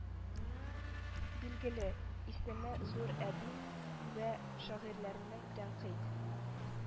Билгеле, исеме зур әдип вә шагыйрьләрнең тәнкыйть